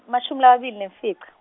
mashumi lamabili nemfica.